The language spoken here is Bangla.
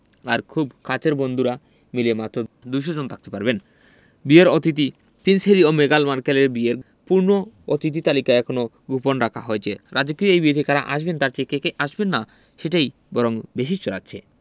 আর খুব কাছের বন্ধুরা মিলে মাত্র ২০০ জন থাকতে পারবেন বিয়ের অতিথি প্রিন্স হ্যারি ও মেগান মার্কেলের বিয়ের পূর্ণ অতিথি তালিকা এখনো গোপন রাখা হয়েছে রাজকীয় এই বিয়েতে কারা আসবেন তার চেয়ে কে কে আসবেন না সেটিই বরং বেশি ছড়াচ্ছে